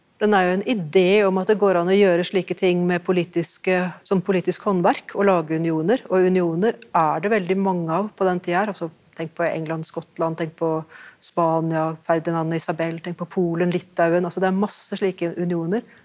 den er jo en idé om at det går an å gjøre slike ting med politiske som politisk håndverk å lage unioner og unioner er det veldig mange av på den tida her altså tenk på England-Skottland, tenk på Spania Ferdinand og Isabel, tenk på Polen-Litauen altså det er masse slike unioner.